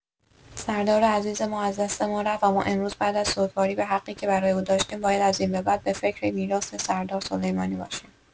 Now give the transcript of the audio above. سردار عزیز ما از دست ما رفت و ما امروز بعد از سوگواری به حقی که برای او داشتیم، باید از این به بعد به فکر میراث سردار سلیمانی باشیم.